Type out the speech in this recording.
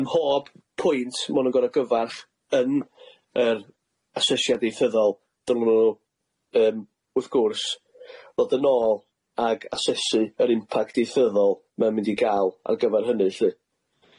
Ym mhob pwynt ma' nw'n gor'o' gyfarch yn yr asesiad ieithyddol dylwn nw yym wrth gwrs ddod yn ôl ag asesu yr impact ieithyddol ma'n mynd i ga'l ar gyfer hynny lly.